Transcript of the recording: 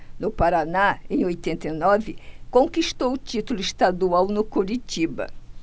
no paraná em oitenta e nove conquistou o título estadual no curitiba